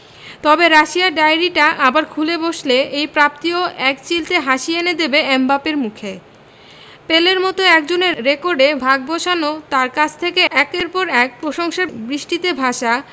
তবে রাশিয়ার ডায়েরিটা আবার খুলে বসলে এই প্রাপ্তি ও একচিলতে হাসি এনে দেবে এমবাপ্পের মুখে পেলের মতো একজনের রেকর্ডে ভাগ বসানো তাঁর কাছ থেকে একের পর এক প্রশংসাবৃষ্টিতে ভাসা